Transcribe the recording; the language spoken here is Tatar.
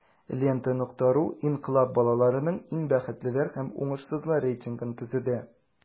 "лента.ру" инкыйлаб балаларының иң бәхетлеләр һәм уңышсызлар рейтингын төзеде.